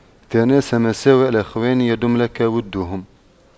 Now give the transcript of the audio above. تناس مساوئ الإخوان يدم لك وُدُّهُمْ